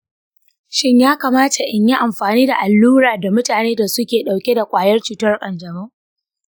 shin ya kamata in yi amfani da allura da mutanen da suke ɗauke da ƙwayar cutar kanjamau?